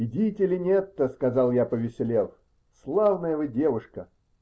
-- Идите, Линетта, -- сказал я, повеселев, -- славная вы девушка.